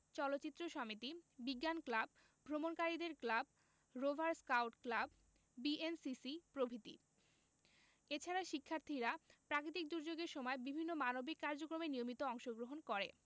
চলচ্চিত্র সমিতি বিজ্ঞান ক্লাব ভ্রমণকারীদের club rover scout club BNCC প্রভৃতি এছাড়া শিক্ষার্থীরা প্রাকৃতিক দূর্যোগের সময় বিভিন্ন মানবিক কার্যক্রমে নিয়মিত অংশগ্রহণ করে